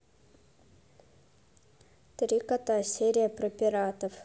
три кота серия про пиратов